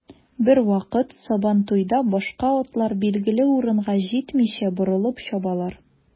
Бервакыт сабантуйда башка атлар билгеле урынга җитмичә, борылып чабалар.